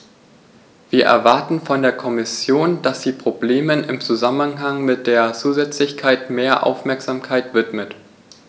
Wir erwarten von der Kommission, dass sie Problemen im Zusammenhang mit der Zusätzlichkeit mehr Aufmerksamkeit widmet.